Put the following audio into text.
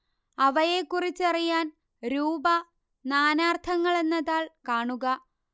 അവയെക്കുറിച്ചറിയാൻ രൂപ നാനാർത്ഥങ്ങൾ എന്ന താൾ കാണുക